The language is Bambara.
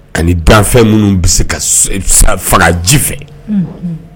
Ka danfɛn minnu bɛ se ka faga ji fɛ